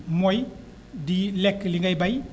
mooy di lekk li ngay bay